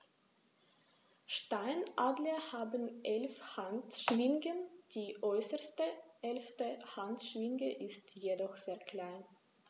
Steinadler haben 11 Handschwingen, die äußerste (11.) Handschwinge ist jedoch sehr klein.